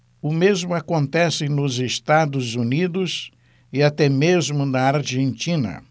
o mesmo acontece nos estados unidos e até mesmo na argentina